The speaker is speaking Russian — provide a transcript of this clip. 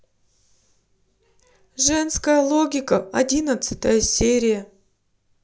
женская логика одиннадцатая серия